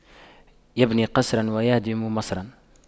يبني قصراً ويهدم مصراً